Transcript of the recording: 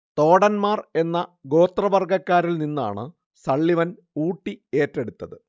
തോടൻമാർ എന്ന ഗോത്രവർഗക്കാരിൽ നിന്നാണ് സള്ളിവൻ ഊട്ടി ഏറ്റെടുത്തത്